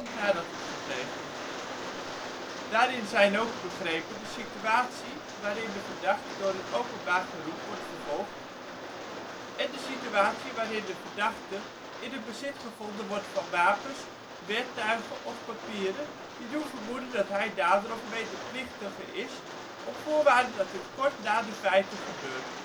nadat het gepleegd is. Daarin zijn ook begrepen de situatie waarin de verdachte door het openbaar geroep wordt vervolgd en de situatie waarin de verdachte in het bezit gevonden wordt van wapens, werktuigen of papieren, die doen vermoeden dat hij dader of medeplichtige is, op voorwaarde dat dit kort na de feiten gebeurt